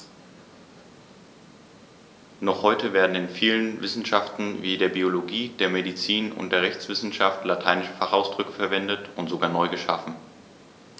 Noch heute werden in vielen Wissenschaften wie der Biologie, der Medizin und der Rechtswissenschaft lateinische Fachausdrücke verwendet und sogar neu geschaffen.